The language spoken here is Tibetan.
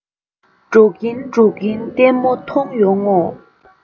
འགྲོ གིན འགྲོ གིན ལྟད མོ མཐོང ཡོང ངོ